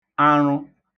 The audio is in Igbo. aṙụ